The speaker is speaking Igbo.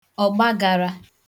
ọ̀gbagara